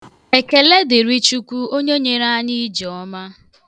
Ekele dịrị Chukwu onye nyere anyị ijeọma.